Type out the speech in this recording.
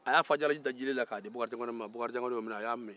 a y a fa jalaji la k'a di bakarijan ma bakarijan y'a min